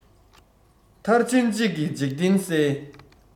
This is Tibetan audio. མཐར ཕྱིན གཅིག གིས འཇིག རྟེན གསལ